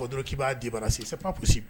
Dɔn k'i'a di'ra sasi